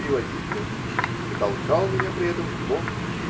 переведите, -- и толкал меня при этом в бок